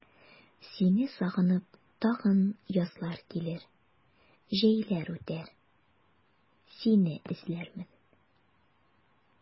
Сине сагынып тагын язлар килер, җәйләр үтәр, сине эзләрмен.